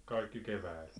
kaikki keväallä